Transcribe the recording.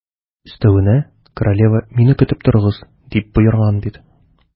Өстәвенә, королева: «Мине көтеп торыгыз», - дип боерган бит.